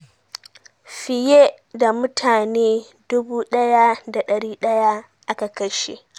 Fiye da mutane 1,100 aka kashe.